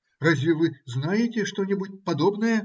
Разве вы знаете что-нибудь подобное?